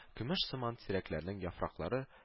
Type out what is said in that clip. Көмешсыман тирәкләрнең яфраклары